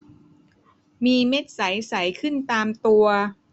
มีเม็ดใสใสขึ้นตามตัว